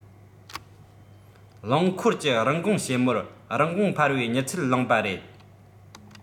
རླངས འཁོར གྱི རིན གོང དཔྱད མོལ རིན གོང འཕར བའི མྱུར ཚད གླེང པ རེད